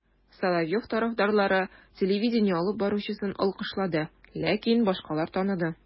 Соловьев тарафдарлары телевидение алып баручысын алкышлады, ләкин башкалар таныды: